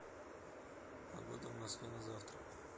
погода в москве на завтра